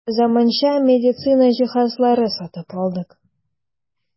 Заманча медицина җиһазлары сатып алдык.